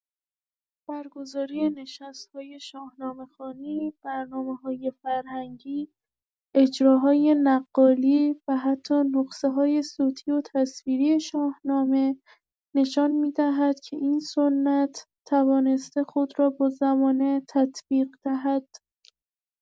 برگزاری نشست‌های شاهنامه‌خوانی، برنامه‌‌های فرهنگی، اجراهای نقالی و حتی نسخه‌های صوتی و تصویری شاهنامه، نشان می‌دهد که این سنت توانسته خود را با زمانه تطبیق دهد.